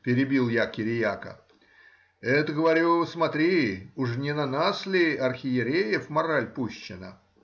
— перебил я Кириака,— это,— говорю,— смотри, уже не на нас ли, архиереев, мораль пущена?